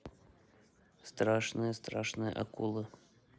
страшные страшные акулы